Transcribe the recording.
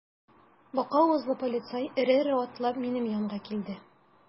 Бака авызлы полицай эре-эре атлап минем янга килде.